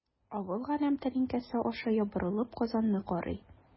Авыл галәм тәлинкәсе аша ябырылып Казанны карый.